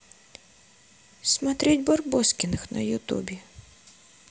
смотреть барбоскиных на ютубе